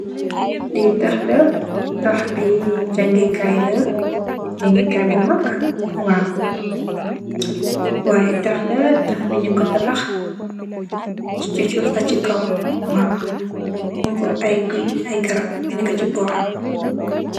Li taakh la palaci jange kai bu mak taakh bi nyung ku tabakh bam rafet si suff ak si kaw munge ame garap si boram